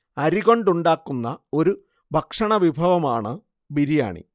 അരി കൊണ്ടുണ്ടാക്കുന്ന ഒരു ഭക്ഷണ വിഭവമാണ് ബിരിയാണി